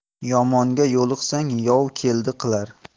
yomonga yo'liqsang yov keldi qilar